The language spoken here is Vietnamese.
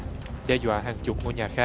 đe dọa hàng chục ngôi nhà khác